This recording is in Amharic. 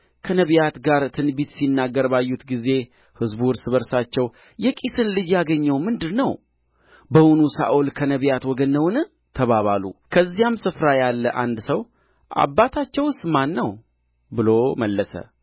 ከነቢያት ጋር ትንቢት ሲናገር ባዩት ጊዜ ሕዝቡ እርስ በርሳቸው የቂስን ልጅ ያገኘው ምንድር ነው በውኑ ሳኦል ከነቢያት ወገን ነውን ተባባሉ ከዚያም ስፍራ ያለ አንድ ሰው አባታቸውስ ማን ነው ብሎ መለሰ